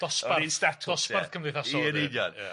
Dosbarth... Yr un statws ia. ...dosbarth cymdeithasol, yde? I- yn union. Ia.